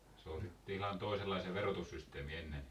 se oli sitten ihan toisenlainen se verotussysteemi ennen